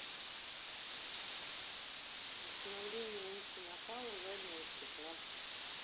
восстановление нити накала заднего стекла